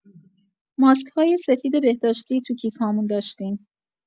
ماسک‌های سفید بهداشتی تو کیف‌هامون داشتیم.